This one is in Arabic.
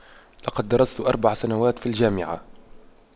لقد درست أربع سنوات في الجامعة